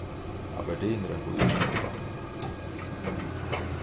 aberdeen er ein býur í skotlandi